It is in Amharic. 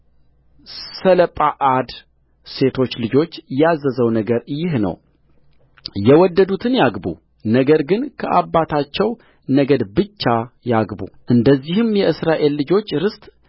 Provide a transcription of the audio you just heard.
ሰለጰዓድ ሴቶች ልጆች ያዘዘው ነገር ይህ ነው የወደዱትን ያግቡ ነገር ግን ከአባታቸው ነገድ ብቻ ያግቡእንደዚህም የእስራኤል ልጆች ርስት